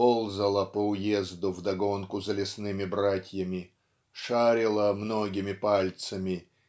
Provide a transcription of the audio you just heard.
ползала по уезду вдогонку за лесными братьями шарила многими пальцами